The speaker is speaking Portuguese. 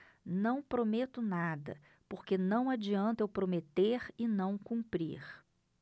não prometo nada porque não adianta eu prometer e não cumprir